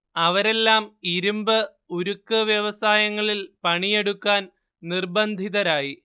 അവരെല്ലാം ഇരുമ്പ്, ഉരുക്ക് വ്യവസായങ്ങളിൽ പണിയെടുക്കാൻ നിർബന്ധിതരായി